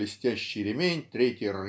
шелестящий ремень, третий